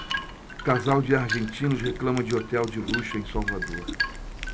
casal de argentinos reclama de hotel de luxo em salvador